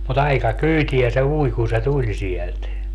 mutta aika kyytiä se ui kun se tuli sieltä